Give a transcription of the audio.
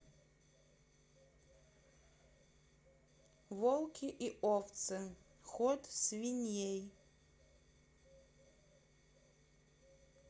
волки и овцы ход свиньей